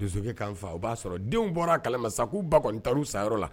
Dosokɛ ka n faa o b'a sɔrɔ denw bɔr'a kalama sa k'u ba kɔni taar'u sa yɔrɔ la